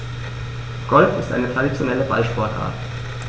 Golf ist eine traditionelle Ballsportart.